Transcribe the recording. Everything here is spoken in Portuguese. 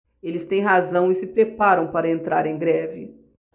eles têm razão e se preparam para entrar em greve